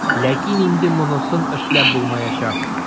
Ләкин инде монысын эшләп булмаячак.